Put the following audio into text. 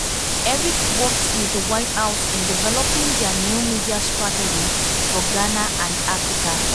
Erik worked with the White House in developing their new media strategy for Ghana and Africa.